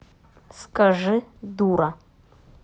скажи дура